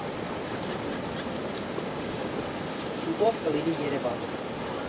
Շուտով կլինի Երևանում։